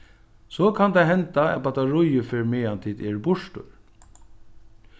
so kann tað henda at battaríið fer meðan tit eru burtur